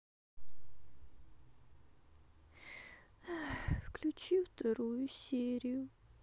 включи вторую серию